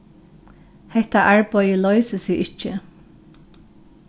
hetta arbeiðið loysir seg ikki